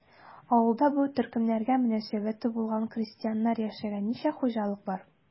Авылда бу төркемнәргә мөнәсәбәте булган крестьяннар яшәгән ничә хуҗалык бар?